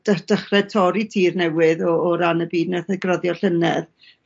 de- dechre torri tir newydd o o ran y byd nath e graddio llynedd.